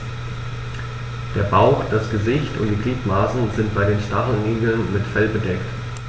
Der Bauch, das Gesicht und die Gliedmaßen sind bei den Stacheligeln mit Fell bedeckt.